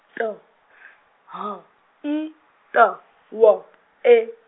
T S H I T W E.